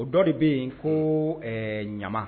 O dɔ de bɛ yen ko ɲama